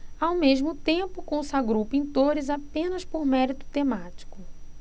ao mesmo tempo consagrou pintores apenas por mérito temático